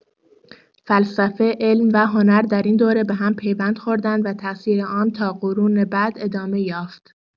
فلسفه، علم و هنر در این دوره به هم‌پیوند خوردند و تأثیر آن تا قرون بعد ادامه یافت.